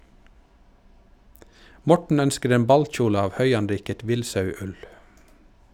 Morten ønsker en ballkjole av høyanriket villsauull.